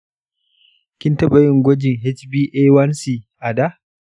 kin taɓa yin gwajin hba1c a da?